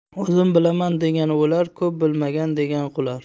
o'zim bilaman degan o'lar ko'p bilaman degan qular